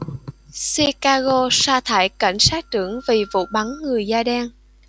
chicago sa thải cảnh sát trưởng vì vụ bắn người da đen